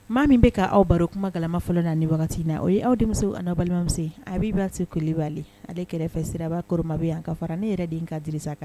Maa min bɛ' awaw baro kuma kalalama fɔlɔ na ni wagati na o ye aw denmuso balima a b'i'a se kuli' ale kɛrɛfɛ siraba koromabe yan ka fara ne yɛrɛ de ka disa kan